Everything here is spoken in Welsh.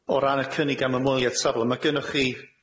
O ran y cynnig am ymweliad safle, ma' gynnoch chi